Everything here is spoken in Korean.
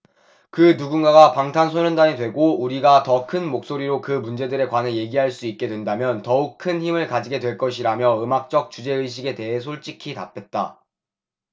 그 누군가가 방탄소년단이 되고 우리가 더 큰 목소리로 그 문제들에 관해 얘기할 수 있게 된다면 더욱 큰 힘을 가지게 될 것이라며 음악적 주제의식에 대해 솔직히 답했다